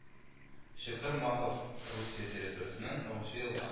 Чокыр Махов Русия территориясеннән агучы елга